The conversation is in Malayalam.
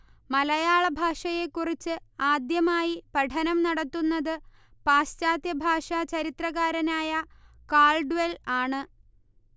മലയാള ഭാഷയെക്കുറിച്ച് ആദ്യമായി പഠനം നടത്തുന്നത് പാശ്ചാത്യ ഭാഷാ ചരിത്രകാരനായ കാൾഡ്വെൽ ആണ്